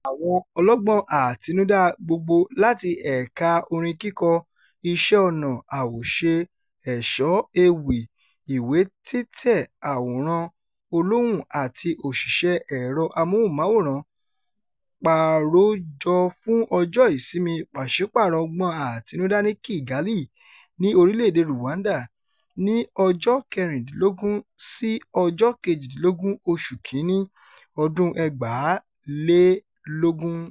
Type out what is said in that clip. Àwọn ọlọ́gbọ́n àtinudá gbogbo láti ẹ̀ka orin kíkọ, iṣẹ́ ọnà, àwòṣe, ẹ̀ṣọ́, ewì, ìwé títẹ̀, àwòrán-olóhùn àti òṣìṣẹ́ ẹ̀rọ amóhùnmáwòràn parojọ fún Ọjọ́ Ìsinmi Ìpàṣípààrọ̀ Ọgbọ́n Àtinudá ní Kigali, ní orílẹ̀-èdèe Rwanda, ní ọjọ́ 16-18 oṣù kìíní, Ọdún-un 2020.